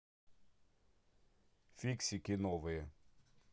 фиксики новые